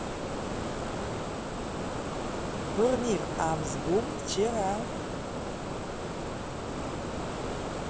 турнир амс бум вчера